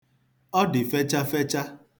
Ọ dị fechafecha.